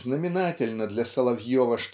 Знаменательно для Соловьева